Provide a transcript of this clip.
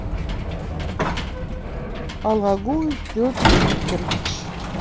алагуев петр викторович